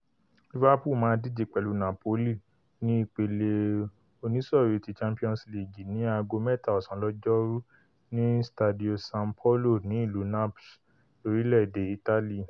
Liverpool máa díje pẹ̀lú Napoli ní ìpele oníṣọ̀rí ti Champions Líìgì ní aago mẹ́ta ọ̀sán lọ́jọ́ rú ní Stadio San Paolo ni ìlú Naples, lórílẹ̀-èdè Ítálì.